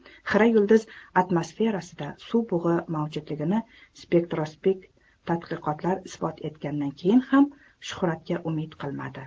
xira yulduz atmosferasida suv bug'i mavjudligini spektroskopik tadqiqotlar isbot etgandan keyin ham shuhratga umid qilmadi